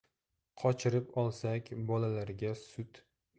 qochirib olsak bolalarga